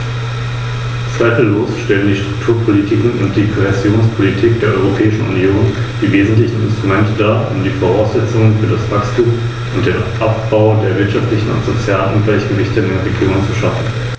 Ich habe mich meiner Stimme enthalten, weil die Frage der Sprachenregelung immer noch nicht ganz geklärt ist.